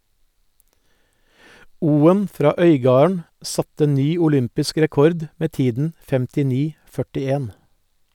Oen fra Øygarden satte ny olympisk rekord med tiden 59,41.